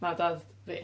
Na, dad fi.